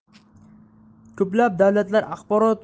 ko'plab davlatlar axborot